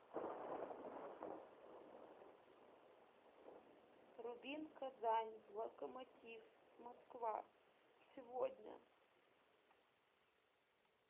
рубин казань локомотив москва сегодня